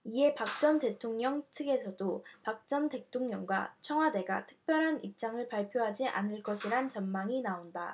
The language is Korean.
이에 박 전 대통령 측에서도 박 전 대통령과 청와대가 특별한 입장을 발표하지 않을 것이란 전망이 나온다